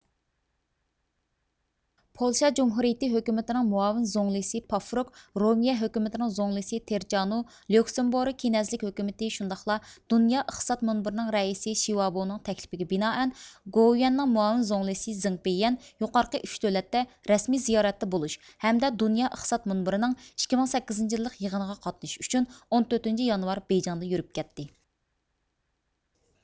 پولشا جۇمھۇرىيىتى ھۆكۈمىتىنىڭ مۇئاۋىن زۇڭلىسى پافروك رومىيە ھۆكۈمىتىنىڭ زۇڭلىسى تېرچانۇ ليۇكسېمبۇرگ كىنەزلىك ھۆكۈمىتى شۇنداقلا دۇنيا ئىقتىساد مۈنبىرىنىڭ رەئىسى شىۋابۇنىڭ تەكلىپىگە بىنائەن گوۋۇيۈەنىڭ مۇئاۋىن زۇڭلىسى زېڭ پىييەن يۇقارقى ئۈچ دۆلەتتە رەسمىي زىيارەتتە بولۇش ھەمدە دۇنيا ئىقتىساد مۇنبىرىنىڭ ئىككى يۈز سەككىزىنچى يىللىق يىغىنىغا قاتنىشىش ئۈچۈن ئون تۆتىنچى يانۋار بېيجىڭدىن يۈرۈپ كەتتى